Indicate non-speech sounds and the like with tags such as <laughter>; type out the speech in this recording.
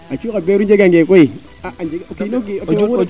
xa cuund xa beeru njegange koy a o kiino kiin <unintelligible>